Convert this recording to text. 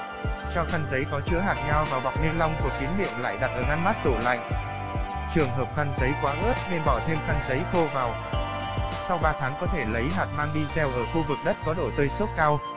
bước cho khăn giấy có chứa hạt nho vào bọc nylon cột kín miệng lại đặt ở ngăn mát tủ lạnh trường hợp khăn giấy quá ướt nên bỏ thêm khăn giấy khô vào sau tháng có thể lấy hạt mang đi gieo ở khu vực đất có độ tơi xốp cao